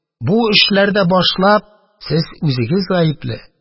Бу эшләрдә башлап сез үзегез гаепле